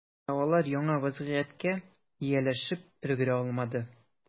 Ә алар яңа вәзгыятькә ияләшеп өлгерә алмады.